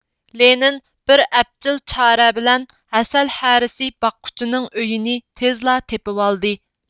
لېنىن بىر ئەپچىل چارە بىلەن ھەسەل ھەرىسى باققۇچىنىڭ ئۆيىنى تېزلا تېپىۋالدى